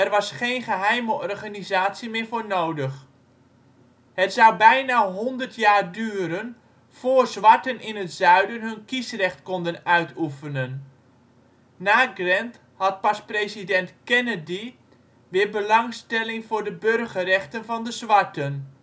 was geen geheime organisatie meer voor nodig. Het zou bijna honderd jaar duren voor zwarten in het Zuiden hun kiesrecht konden uitoefenen. Na Grant had pas president Kennedy weer belangstelling voor de burgerrechten van de zwarten